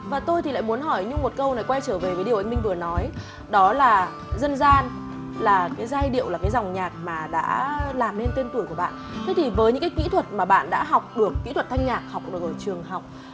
và tôi thì lại muốn hỏi nhung một câu này quay trở về với điều anh minh vừa nói đó là dân gian là cái giai điệu là cái dòng nhạc mà đã làm nên tên tuổi của bạn thế thì với những cái kỹ thuật mà bạn đã học được kỹ thuật thanh nhạc học được ở trường học